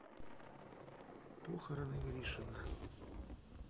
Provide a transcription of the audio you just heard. похороны гришина